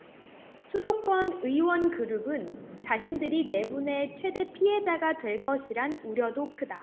수도권 의원 그룹은 자신들이 내분의 최대 피해자가 될 것이란 우려도 크다